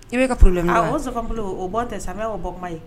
I bɛ o o bɔn tɛ san ka bɔ kuma ye